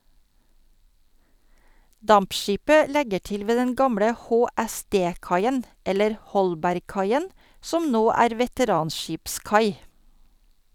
Dampskipet legger til ved den gamle HSD-kaien - eller Holbergkaien - som nå er veteranskipskai.